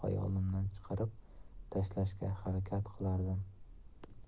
xayolimdan chiqarib tashlashga harakat qilardim